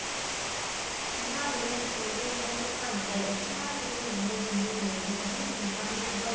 곰팡이는 진균류에 속하는데 십 만 종이 넘는 진균류에는 흰곰팡이 버섯 녹병균 효모 등이 있습니다